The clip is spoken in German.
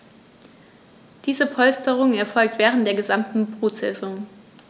Diese Polsterung erfolgt während der gesamten Brutsaison.